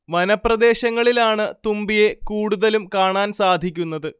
വനപ്രദേശങ്ങളിലാണ് തുമ്പിയെ കൂടുതലും കാണാൻ സാധിക്കുന്നത്